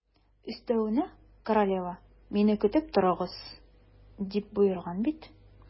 Өстәвенә, королева: «Мине көтеп торыгыз», - дип боерган бит.